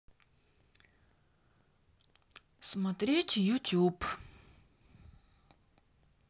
смотреть ютюб